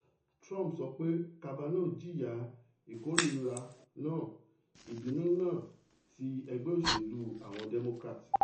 Trump sọ pé Kavanaugh 'jìya, ìkó-ìrira náà, ìbínú náà' ti Ẹgbé Òṣèlú Àwọn Democrat